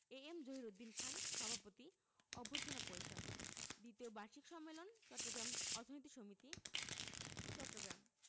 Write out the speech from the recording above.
এ M Zahiruddin Khan সভাপতি অভ্যর্থনা পরিষদ দ্বিতীয় বার্ষিক সম্মেলন চট্টগ্রাম অর্থনীতি সমিতি চট্টগ্রাম